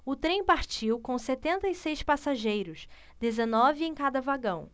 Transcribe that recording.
o trem partiu com setenta e seis passageiros dezenove em cada vagão